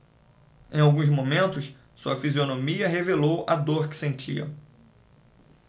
em alguns momentos sua fisionomia revelou a dor que sentia